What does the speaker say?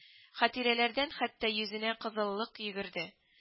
Хатирәләрдән хәтта йөзенә кызыллык йөгерде